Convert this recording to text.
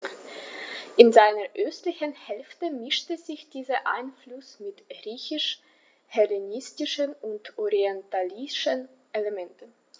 In seiner östlichen Hälfte mischte sich dieser Einfluss mit griechisch-hellenistischen und orientalischen Elementen.